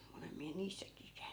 olen minä niissäkin käynyt